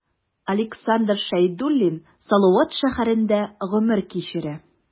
Александр Шәйдуллин Салават шәһәрендә гомер кичерә.